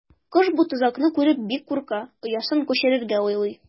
Кош бу тозакны күреп бик курка, оясын күчерергә уйлый.